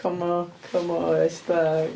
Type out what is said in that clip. Como, como esta...